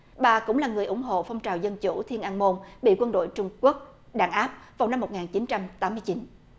bà cũng là người ủng hộ phong trào dân chủ thiên an môn bị quân đội trung quốc đàn áp vào năm một nghìn chín trăm tám mươi chín